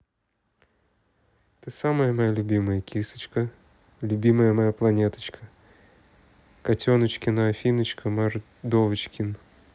ты самая умненькая кисочка любимая моя планеточка котеночкина афиночка мордовочкин